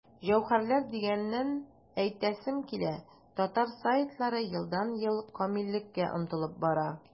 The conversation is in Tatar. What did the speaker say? Җәүһәрләр дигәннән, әйтәсем килә, татар сайтлары елдан-ел камиллеккә омтыла бара.